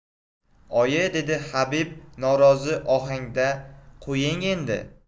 oyi dedi habib norozi ohangda qo'ying endi